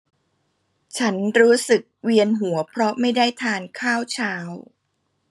ฉันรู้สึกเวียนหัวเพราะไม่ได้ทานข้าวเช้า